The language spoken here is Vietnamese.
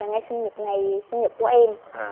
ngày sinh nhật ngày sinh nhật của em